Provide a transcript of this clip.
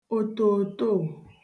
òtòòtoò